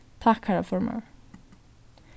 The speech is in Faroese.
takk harra formaður